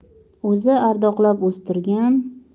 o'zi ardoqlab o'stirgan